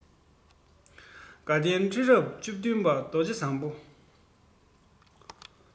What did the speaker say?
དགའ ལྡན ཁྲི རབས བཅུ བདུན པ རྡོ རྗེ བཟང པོ